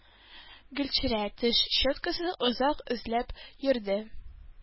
Гөлчирә теш щеткасын озак эзләп йөрде.